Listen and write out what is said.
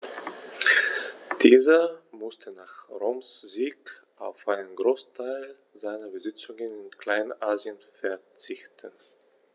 Dieser musste nach Roms Sieg auf einen Großteil seiner Besitzungen in Kleinasien verzichten.